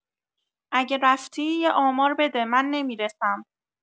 اگه رفتی یه آمار بده من نمی‌رسم.